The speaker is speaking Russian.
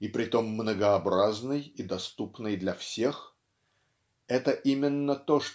и притом многообразной и доступной для всех это именно то